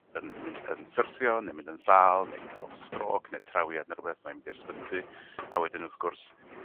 yn myn- yn syrthio ne mynd yn sâl neu'n ca'l strôc ne' trawiad ne' rwbeth mae'n mynd i'r ysbyty a wedyn wrth gwrs